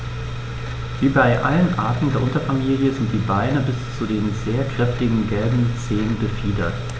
Wie bei allen Arten der Unterfamilie sind die Beine bis zu den sehr kräftigen gelben Zehen befiedert.